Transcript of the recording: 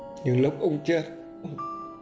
nhưng lúc ông chết ờ